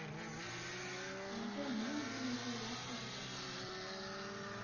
Әнкәй юл буена елап кайтты...